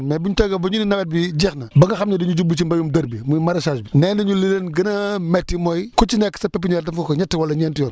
mais buñ toogee ba ñu ne nawet bi jeex na ba nga xam ne dañuy jublu ci mbéyum dër bi muy maraichage bi nee nañu li leen gën a métti mooy ku ci nekk sa pepinière def nga ko ñett wala ñeenti yoon